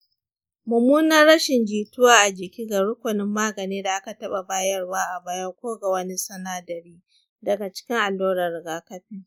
mummunar rashin jituwa a jiki ga rukunin magani da aka taɓa bayarwa a baya ko ga wani sinadari daga cikin allurar rigakafin.